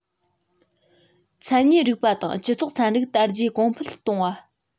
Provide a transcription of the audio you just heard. མཚན ཉིད རིག པ དང སྤྱི ཚོགས ཚན རིག དར རྒྱས གོང འཕེལ གཏོང བ